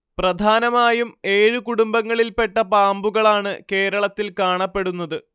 പ്രധാനമായും ഏഴ് കുടുംബങ്ങളിൽപ്പെട്ട പാമ്പുകളാണ് കേരളത്തിൽ കാണപ്പെടുന്നത്